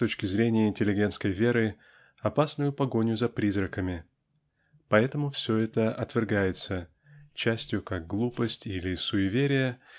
с точки зрения интеллигентской веры опасную погоню за призраками. Поэтому все это отвергается частью как глупость или "суеверие"